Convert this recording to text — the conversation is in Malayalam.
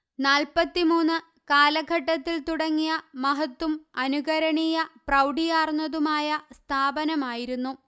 നാല്പ്പത്തിമൂന്ന് കാലഘട്ടത്തില് തുടങ്ങിയ മഹത്തും അനുകരണീയ പ്രൌഢിയാര്ന്നതുമായ സ്ഥാപനമായിരുന്നു